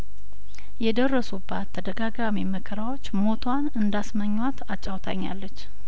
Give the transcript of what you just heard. የደረሱባት ተደጋጋሚ መከራዎች ሞቷን እንዳስመኟት አጫው ታኛለች